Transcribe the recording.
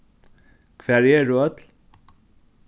hvar eru øll